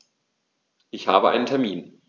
Ich habe einen Termin.